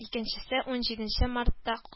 Икенчесе – унҗиденче мартта